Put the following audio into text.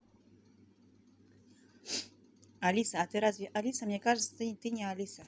алиса а ты разве алиса мне кажется ты не алиса